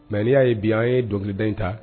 Mɛ'a ye bi an ye dɔnkilida in ta